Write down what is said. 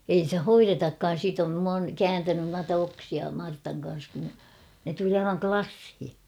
ei sitä hoidetakaan siitä olen minä olen kääntänyt noita oksia Martan kanssa kun ne tuli aivan lasiin